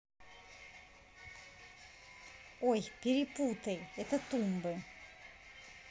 ой перепутай это тумбы